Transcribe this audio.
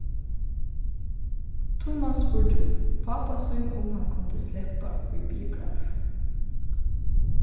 tummas spurdi pápa sín um hann kundi sleppa í biograf